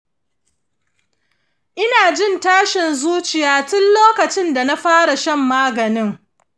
ina jin tashin zuciya tun lokacin da na fara shan magani.